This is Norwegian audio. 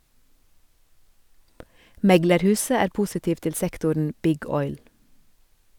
Meglerhuset er positiv til sektoren "Big oil".